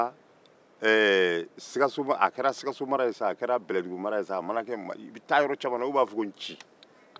taa yɔrɔ caman na olu b'a fɔ ko nci